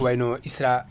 ko wayno ISRA